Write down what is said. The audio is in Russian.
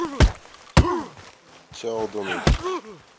чалдоны